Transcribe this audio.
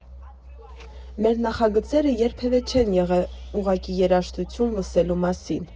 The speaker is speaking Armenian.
Մեր նախագծերը երբևէ չեն եղել ուղղակի երաժշտություն լսելու մասին։